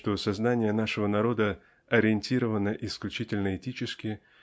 что сознание нашего народа ориентировано исключительно этически